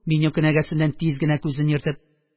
Меню кенәгәсеннән тиз генә күзен йөртеп.